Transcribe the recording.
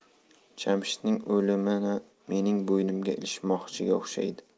jamshidning o'limini mening bo'ynimga ilishmoqchiga o'xshaydi